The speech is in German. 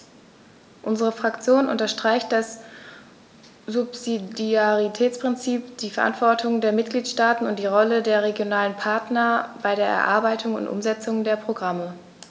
Unsere Fraktion unterstreicht das Subsidiaritätsprinzip, die Verantwortung der Mitgliedstaaten und die Rolle der regionalen Partner bei der Erarbeitung und Umsetzung der Programme.